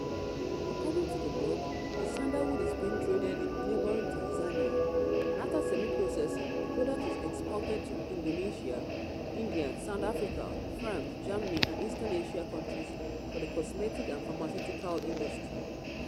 According to the blog, the sandalwood is being traded in neighboring Tanzania and after semi-processing, the product is exported “to Indonesia, India, South Africa, France, Germany and eastern Asia countries for the cosmetic and pharmaceutical industry”.